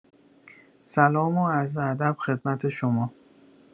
سلام و عرض ادب خدمت شما